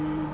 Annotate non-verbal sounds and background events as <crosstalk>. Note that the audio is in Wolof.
<hesitation> <hesitation>